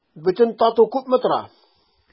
Бөтен тату күпме тора?